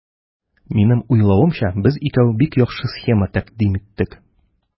Минем уйлавымча, без икәү бик яхшы схема тәкъдим иттек.